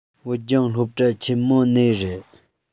བོད ལྗོངས སློབ གྲྭ ཆེན མོ ནས རེད